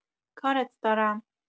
کارت دارم